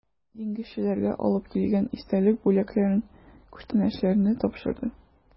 Диңгезчеләргә алып килгән истәлек бүләкләрен, күчтәнәчләрне тапшырды.